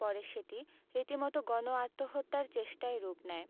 পরে সেটি রীতিমতো গণ আত্মহত্যার চেষ্টায় রূপ নেয়